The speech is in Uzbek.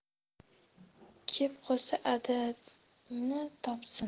kep qosa adangni topsin